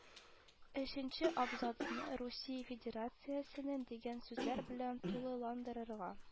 Өченче абзацны “русия федерациясенең” дигән сүзләр белән тулыландырырга;